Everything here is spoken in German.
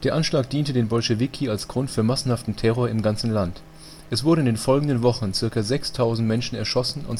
Anschlag, diente den Bolschewiki als Grund für massenhaften Terror im ganzen Land. Es wurden in den folgenden Wochen ca. 6000 Menschen erschossen